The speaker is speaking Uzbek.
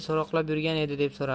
so'roqlab yurgan edi deb so'rardi